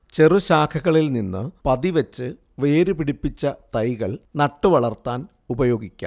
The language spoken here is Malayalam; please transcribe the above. ചെറുശാഖകളിൽനിന്ന് പതിവെച്ച് വേരുപിടിപ്പിച്ച തൈകൾ നട്ടുവളർത്താൻ ഉപയോഗിക്കാം